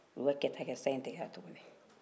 u y' u ka kɛta kɛ san in tigɛla tuguni